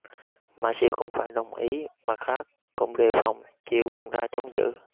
mã siêu cũng phải đồng ý mặt khác cũng đề phòng chia quân ra chống giữ